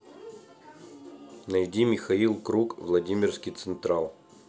найди михаил круг владимирский централ